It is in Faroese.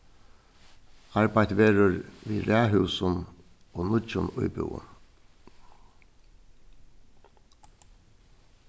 arbeitt verður við raðhúsum og nýggjum íbúðum